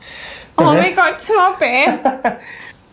Oh my God t'mod be'?